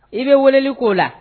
I bɛ weleli ko la